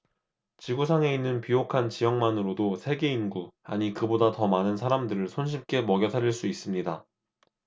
지구 상에 있는 비옥한 지역만으로도 세계 인구 아니 그보다 더 많은 사람들을 손쉽게 먹여 살릴 수 있습니다